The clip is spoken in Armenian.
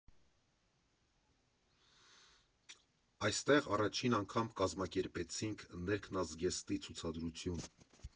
Այստեղ առաջին անգամ կազմակերպեցինք ներքնազգեստի ցուցադրություն։